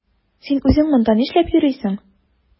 Син үзең монда нишләп йөрисең?